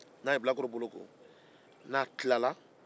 n'a ye bilakoro bolo ko n'a tilala